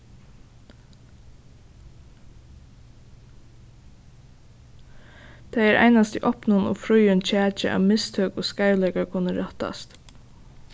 tað er einans í opnum og fríum kjaki at mistøk og skeivleikar kunnu rættast